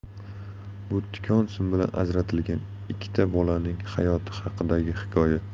bu tikon sim bilan ajratilgan ikkita bolaning hayoti haqidagi hikoya